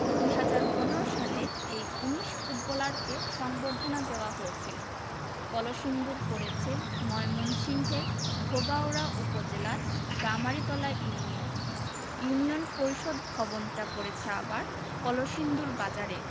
২০১৫ সালে এই ১৯ ফুটবলারকে সংবর্ধনা দেওয়া হয়েছিল কলসিন্দুর পড়েছে ময়মনসিংহের ধোবাউড়া উপজেলার গামারিতলা ইউনিয়নে ইউনিয়ন পরিষদ ভবনটা পড়েছে আবার কলসিন্দুর বাজারেই